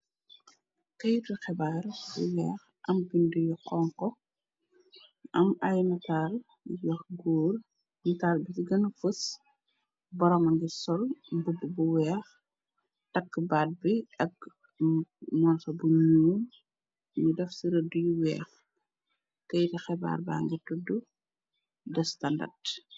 keytu xebaar bu weex am bind yu xonko am ay nataal yu góur nataal bi ci gëna fus borooma ngi sol mbubb bu weex takkbaat bi ak nonsa bu ñuu ni daf ci rëddu yu weex keytu xebaarba ngi tudd de standard